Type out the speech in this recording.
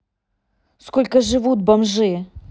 сколько живут бомжи